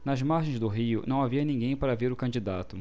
nas margens do rio não havia ninguém para ver o candidato